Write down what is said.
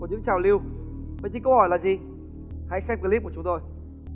một những trào lưu vậy thì câu hỏi là gì hãy xem ờ líp của chúng tôi